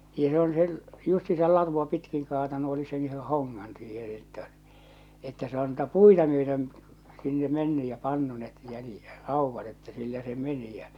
ja se on se justiinsa latua - pitkin kaatanut oli sen yhden hongan siihen että että se on tuota puita myöten sinne mennyt ja pannut ne - raudat että sillä se meni ja